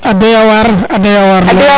a doya waar a doya waar